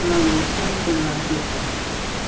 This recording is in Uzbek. bilan bosgancha nari ketdim